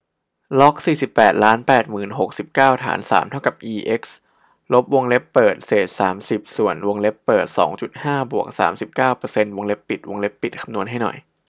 ล็อกสี่สิบแปดล้านแปดหมื่นหกสิบเก้าฐานสามเท่ากับอีเอ็กซ์ลบวงเล็บเปิดเศษสามสิบส่วนวงเล็บเปิดสองจุดห้าบวกสามสิบเก้าเปอร์เซ็นต์วงเล็บปิดวงเล็บปิดคำนวณให้หน่อย